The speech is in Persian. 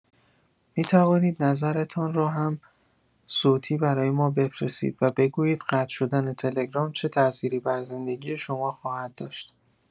می‌توانید نظرتان را هم صوتی برای ما بفرستید و بگویید قطع شدن تلگرام چه تاثیری بر زندگی شما خواهد گذاشت.